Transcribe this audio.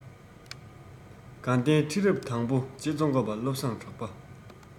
དགའ ལྡན ཁྲི རབས དང པོ རྗེ ཙོང ཁ པ བློ བཟང གྲགས པ